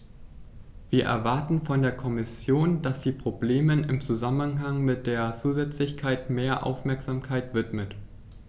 Wir erwarten von der Kommission, dass sie Problemen im Zusammenhang mit der Zusätzlichkeit mehr Aufmerksamkeit widmet.